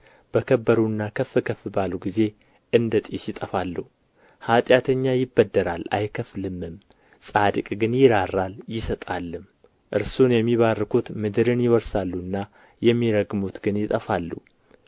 በከበሩና ከፍ ከፍ ባሉ ጊዜ እንደ ጢስ ይጠፋሉ ኃጢአተኛ ይበደራል አይከፍልምም ጻድቅ ግን ይራራል ይሰጣልም እርሱን የሚባርኩት ምድርን ይወርሳሉና የሚረግሙት ግን ይጠፋሉ